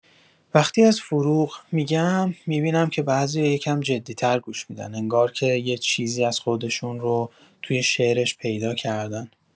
وقتی از فروغ می‌گم، می‌بینم که بعضیا یه کم جدی‌تر گوش می‌دن، انگار که یه چیزی از خودشون رو توی شعرش پیدا کردن.